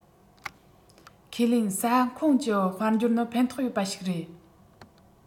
ཁས ལེན ས ཁོངས ཀྱི དཔལ འབྱོར ནི ཕན ཐོགས ཡོད པ ཞིག རེད